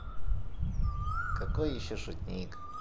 какой еще шутник